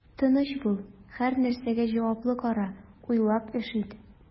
Тыныч бул, һәрнәрсәгә җаваплы кара, уйлап эш ит.